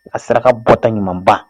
A saraka bɔta ɲumanba